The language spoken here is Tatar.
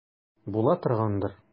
Була торгандыр.